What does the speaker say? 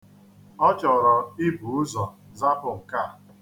Ọ chọrọ ibu ụzọ zapụ nke a.